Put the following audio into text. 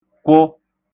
kwụ